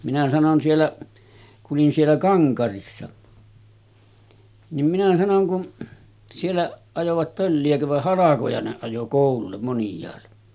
minä sanoin siellä kun olin siellä Kankarissa niin minä sanoin kun siellä ajoivat pölliäkö vai halkoja ne ajoi koululle moniaalle